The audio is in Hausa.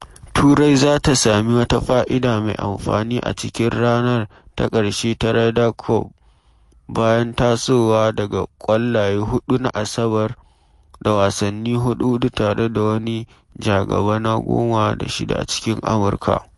Turai za ta sami wata fa’ida mai amfani a cikin ranar ta ƙarshe ta Ryder Cup bayan tasowa daga ƙwallaye huɗu na Asabar da wasannin huɗu-huɗu tare da wani ja gaba na 10 da 6 a cikin Amurka.